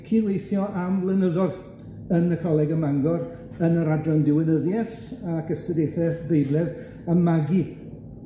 cydweithio am blynyddodd yn y Coleg ym Mangor yn yr adran diwinyddieth ac ystudiaethe beibledd yn magu